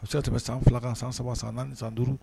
O selen tɛm bɛ san fila ka san saba san ni san duuru